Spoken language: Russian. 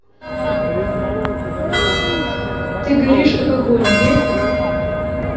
ты горишь как огонь не